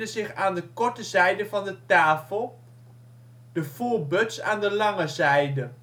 zich aan de korte zijde van de tafel, de full butts aan de lange zijde